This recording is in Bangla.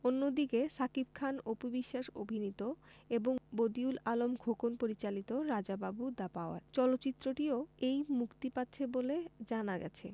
অন্যদিকে শাকিব খান অপু বিশ্বাস অভিনীত এবং বদিউল আলম খোকন পরিচালিত রাজা বাবু দ্যা পাওয়ার চলচ্চিত্রটিও এই মুক্তি পাচ্ছে বলে জানা গেছে